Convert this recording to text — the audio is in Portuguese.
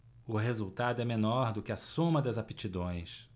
o resultado é menor do que a soma das aptidões